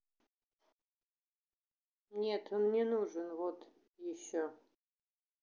нет он не нужен вот еще